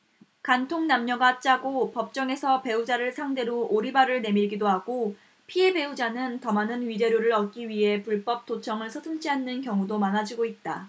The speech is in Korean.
간통 남녀가 짜고 법정에서 배우자를 상대로 오리발을 내밀기도 하고 피해 배우자는 더 많은 위자료를 얻기 위해 불법 도청을 서슴지 않는 경우도 많아지고 있다